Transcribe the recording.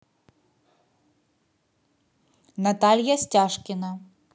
наталья стяжкина